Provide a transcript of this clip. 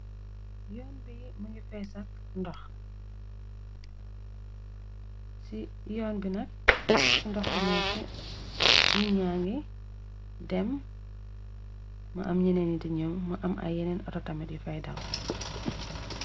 Fi mugii fees ak ndox si yoon bi nak fu ndox bi nèkka ñit ña ngi dem mo am ñenen nit diñaw mo am ay yenen mu am ay yenen otto tamit yu fay daw.